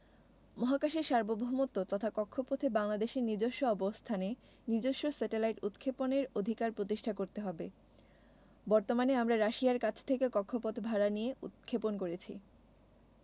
মহাকাশের সার্বভৌমত্ব তথা কক্ষপথে বাংলাদেশের নিজস্ব অবস্থানে নিজস্ব স্যাটেলাইট উৎক্ষেপণের অধিকার প্রতিষ্ঠা করতে হবে বর্তমানে আমরা রাশিয়ার কাছ থেকে কক্ষপথ ভাড়া নিয়ে উৎক্ষেপণ করেছি